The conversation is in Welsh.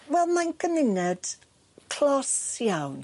Wel mae'n gymuned clos iawn.